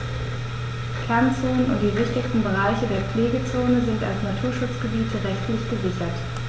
Kernzonen und die wichtigsten Bereiche der Pflegezone sind als Naturschutzgebiete rechtlich gesichert.